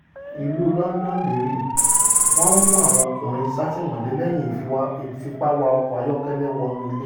Ìlú Lọndọnderi: Wọ́n mú àwọn ọkùnrin sátìmọ́lé lẹ́yìn ìfipáwa-ọkọ́ ayọ́kẹ́lẹ́ wọnú ilé